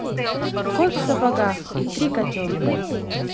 кот в сапогах и три котенка